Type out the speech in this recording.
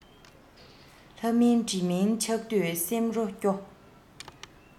ལྷ མིན འདྲེ མིན ཆགས དུས སེམས རེ སྐྱོ